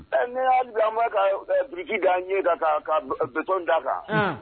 Ne y'a ma ka bɛ biki ka ɲɛ da ka bitɔnt da kan